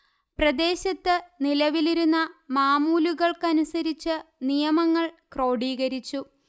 പ്രദേശത്ത് നിലവിലിരുന്ന മാമൂലൂകൾക്കനുസരിച്ച് നിയമങ്ങൾ ക്രോഡീകരിച്ചു